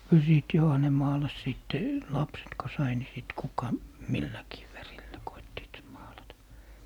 kyllä siitä johan ne maalasi sitten lapset kun sai niin sitten kuka milläkin värillä koettivat maalata